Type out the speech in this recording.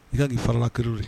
I ka'i farala kiri ye